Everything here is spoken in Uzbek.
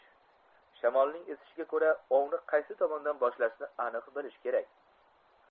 shamolning esishiga ko'ra ovni qaysi tomondan boshlashni aniq bilish kerak